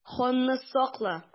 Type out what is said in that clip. Ханны сакла!